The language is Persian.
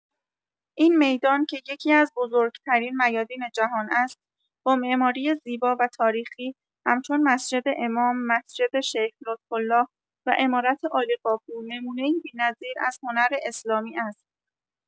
این میدان که یکی‌از بزرگ‌ترین میادین جهان است، با معماری زیبا و تاریخی همچون مسجد امام، مسجد شیخ لطف‌الله و عمارت عالی‌قاپو، نمونه‌ای بی‌نظیر از هنر اسلامی است.